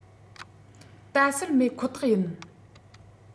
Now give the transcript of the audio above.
ལྟ སུལ མེད ཁོ ཐག ཡིན